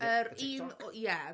Yr un... TikTok? ...Ie.